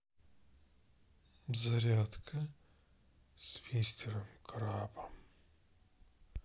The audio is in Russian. зарядка с мистером крабом